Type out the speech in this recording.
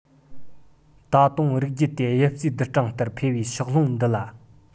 ད དུང རིགས རྒྱུད དེ དབྱིབས རྩིས བསྡུར གྲངས ལྟར འཕེལ བའི ཕྱོགས ལྷུང འདི ལ